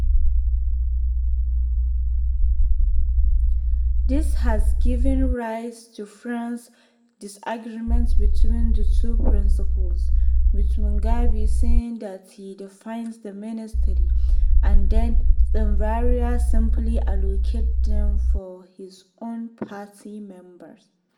This has given rise to fierce disagreements between the two principals, with Mugabe saying that he defines the ministries and then Tsvangirai simply allocated them for his own party members.